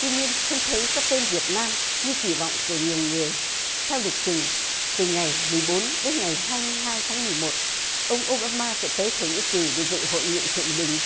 tuy nhiên không thấy có tên việt nam như kỳ vọng của nhiều người theo lịch trình từ ngày mười bốn đến ngày hai mươi hai tháng mười một ông ô ba ma sẽ tới thổ nhĩ kỳ để dự hội nghị thượng đỉnh